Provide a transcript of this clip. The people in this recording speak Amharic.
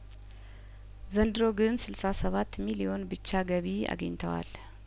ዘንድሮ ግን ስልሳ ሰባት ሚሊዮን ብቻ ገቢ አግኝተዋል